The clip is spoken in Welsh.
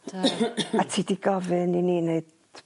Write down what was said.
Da. A ti 'di gofyn i ni neud